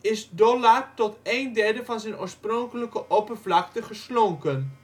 is Dollard tot een derde van zijn oorspronkelijke oppervlakte geslonken